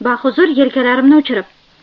bahuzur yelkalarimni uchirib